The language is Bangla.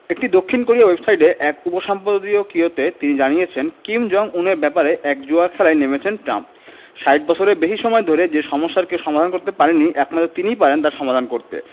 একটি দক্ষিণ কোরীয় ওয়েবসাইটে এক উপসম্পাদকীয়তে তিনি জানিয়েছেন কিম জং উনের ব্যাপারে এক জুয়া খেলায় নেমেছেন ট্রাম্প ৬০ বছরের বেশি সময় ধরে যে সমস্যার কেউ সমাধান করতে পারেনি একমাত্র তিনিই পারেন তার সমাধান করতে